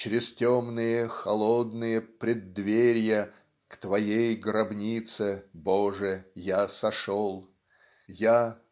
Чрез темные холодные преддверья К твоей гробнице Боже я сошел Я